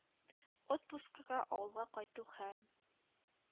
Отпускыга авылга кайту һәм